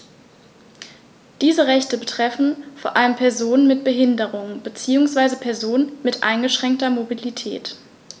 Diese Rechte betreffen vor allem Personen mit Behinderung beziehungsweise Personen mit eingeschränkter Mobilität.